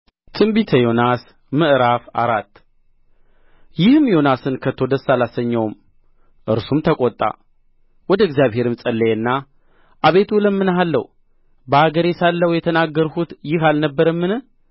ትንቢተ ዮናስ ምዕራፍ አራት ይህም ዮናስን ከቶ ደስ አላሰኘውም እርሱም ተቈጣ ወደ እግዚአብሔርም ጸለየና አቤቱ እለምንሃለሁ በአገሬ ሳለሁ የተናገርሁት ይህ አልነበረምን